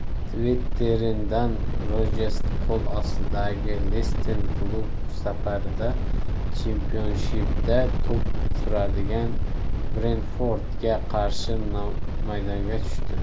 twitterbrendan rojers qo'l ostidagi lester klubi safarda chempionshipda to'p suradigan brenford ga qarshi maydonga tushdi